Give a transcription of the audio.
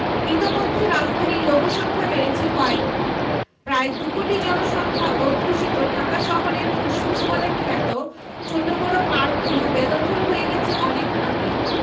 ইতোমধ্যে রাজধানীর লোকসংখ্যা বেড়েছে কয়েকগুণ প্রায় দুকোটি জনসংখ্যা অধ্যুষিত ঢাকা শহরের ফুসফুস বলে খ্যাত ছোট বড় পার্কগুলো বেদখল হয়ে গেছে অনেক আগেই